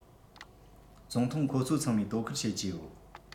ཙུང ཐུང ཁོ ཚོ ཚང མས དོ ཁུར བྱེད ཀྱི ཡོད